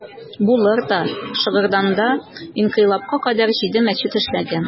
Булыр да, Шыгырданда инкыйлабка кадәр җиде мәчет эшләгән.